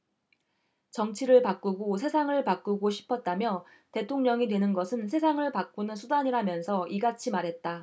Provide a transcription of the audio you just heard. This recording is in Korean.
정치를 바꾸고 세상을 바꾸고 싶었다며 대통령이 되는 것은 세상을 바꾸는 수단이라면서 이같이 말했다